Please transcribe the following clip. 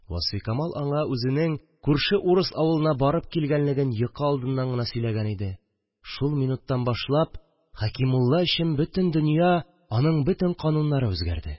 Васфикамал аңа үзенең күрше урыс авылына барып килгәнлеген йокы алдыннан гына сөйләгән иде – шул минуттан башлап Хәкимулла өчен бөтен дөнья, аның бөтен кануннары үзгәрде